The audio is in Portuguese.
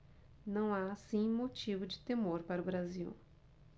não há assim motivo de temor para o brasil